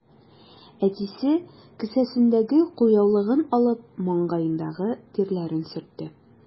Әтисе, кесәсендәге кулъяулыгын алып, маңгаендагы тирләрен сөртте.